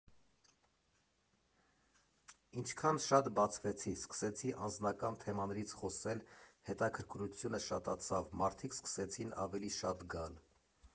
Ինչքան շատ բացվեցի, սկսեցի անձնական թեմաներից խոսել հետաքրքրությունը շատացավ, մարդիկ սկսեցին ավելի շատ գալ։